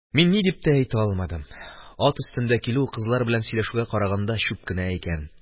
Мин ни дип тә әйтә алмадым, ат өстендә килү кызлар белән сөйләшүгә караганда чүп кенә икән